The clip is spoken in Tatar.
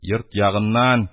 Йорт ягыннан